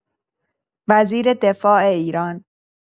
وزیر دفاع ایران